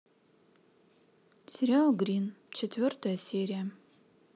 сериал грин четвертая серия